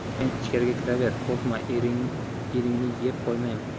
sen ichkariga kiraver qo'rqma eringni yeb qo'ymayman